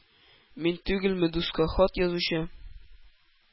Мин түгелме дуска хат язучы,